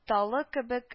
Талы кебек